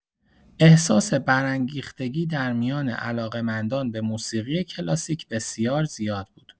احساس برانگیختگی در میان علاقه‌مندان به موسیقی کلاسیک بسیار زیاد بود.